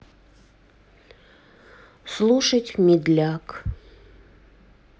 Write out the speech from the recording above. слушать медляк